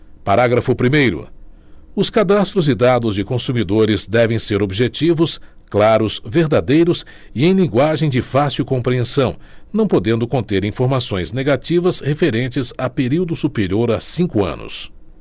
parágrafo primeiro os cadastros e dados de consumidores devem ser objetivos claros verdadeiros e em linguagem de fácil compreensão não podendo conter informações negativas referentes a período superior a cinco anos